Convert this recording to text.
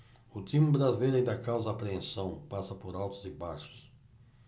o time brasileiro ainda causa apreensão passa por altos e baixos